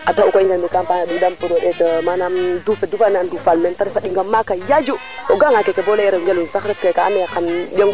ko geek un so dufa den meke dal a ok a ɗinga le o ndeta ngaan manam partie nu fel nga o dufo arroser fe